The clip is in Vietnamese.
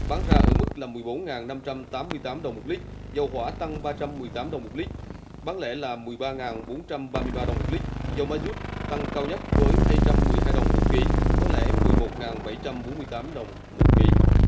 bán ra ở mức là mười bốn ngàn năm trăm tám mươi tám đồng một lít dầu hỏa tăng ba trăm mười tám đồng một lít bán lẻ là mười ba ngàn bốn trăm ba mươi ba đồng một lít dầu ma dút tăng cao nhất với hai trăm mười hai đồng một kí bán lẻ mười một ngàn bảy trăm bốn mươi tám đồng một kí